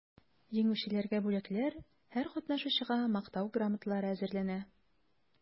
Җиңүчеләргә бүләкләр, һәр катнашучыга мактау грамоталары әзерләнә.